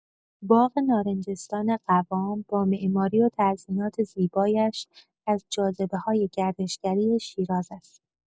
باغ نارنجستان قوام با معماری و تزئینات زیبایش از جاذبه‌های گردشگری شیراز است.